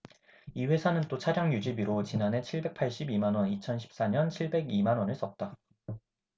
이 회사는 또 차량유지비로 지난해 칠백 팔십 이 만원 이천 십 사 년 칠백 이 만원을 썼다